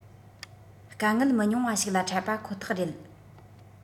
དཀའ ངལ མི ཉུང བ ཞིག ལ འཕྲད པ ཁོ ཐག རེད